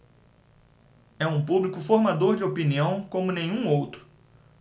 é um público formador de opinião como nenhum outro